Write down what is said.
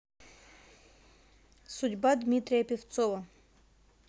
судьба дмитрия певцова